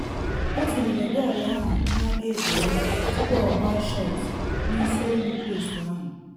O tinyere bọọlụ ahụ n’akaekpe ya tupu ọ gbaa shọt n’isi elu postu ahụ.